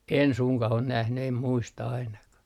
en suinkaan ole nähnyt en muista ainakaan